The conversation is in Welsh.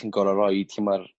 'da chi'n goro' roid lle ma'r